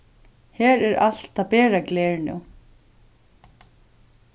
her er alt tað bera gler nú